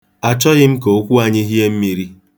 Achọghị m ka okwu anyị hie mmiri.